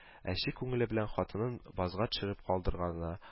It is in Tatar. Әче-күңеле белән хатынын базга төшереп калдырганына